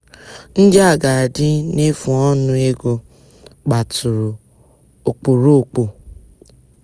Ndị a ga adị na-efu ọnụ ego gbatụrụ ọkpụrụkpụ.